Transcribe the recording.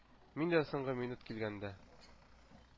Мин дә соңгы минут килгәндә,